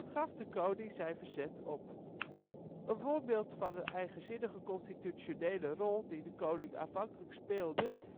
gaf de koning zijn verzet op. Een voorbeeld van de eigenzinnige constitutionele rol die de koning aanvankelijk speelde